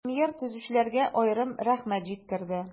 Премьер төзүчеләргә аерым рәхмәт җиткерде.